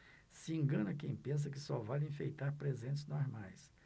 se engana quem pensa que só vale enfeitar presentes normais